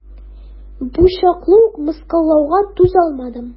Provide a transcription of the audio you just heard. Бу чаклы ук мыскыллауга түзалмадым.